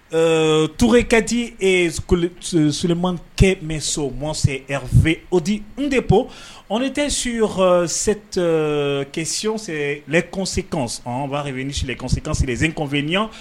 Euh Toure Kadi et skoli c euh Souleymane Kemeso moi c'est Erve Odi Ndepo on était sur cette question c'est les conséquences on va revenir sur les conséquences et les inconvénients